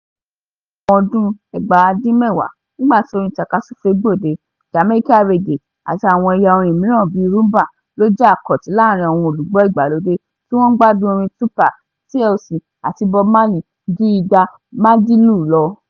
Ní àwọn ọdún 1990, nígbà tí orin tàka-súfé gbòde, Jamaican Raggae, àti àwọn ẹ̀yà orin míràn bi Rhumba ló jẹ́ àkòtì láàárín àwọn olùgbọ́ ìgbàlódé tí wọn ń gbádùn orin Tupac, TLC, àti Bob Marley ju ìgbà Madilu lọ.